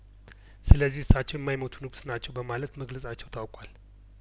ስለዚህ እሳቸው የማይሞቱ ንጉስ ናቸው በማለት መግለጻቸው ታውቋል